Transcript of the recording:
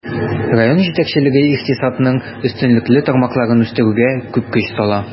Район җитәкчелеге икътисадның өстенлекле тармакларын үстерүгә күп көч сала.